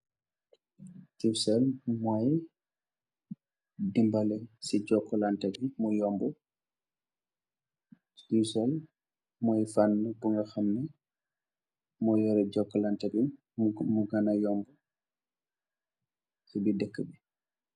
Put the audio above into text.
Qcell moye demale se jukulantebe mu yombu, Qcell moye fana bugahamne mu yureh jukulantebe mu gena yombu se birr deka be.